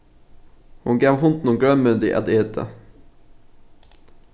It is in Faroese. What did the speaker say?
hon gav hundinum grønmeti at eta